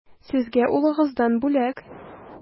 Сезгә улыгыздан бүләк.